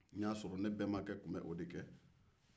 n y'a sɔrɔ n bɛnbakɛ tun be o de kɛ